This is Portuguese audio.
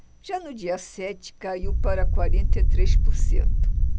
já no dia sete caiu para quarenta e três por cento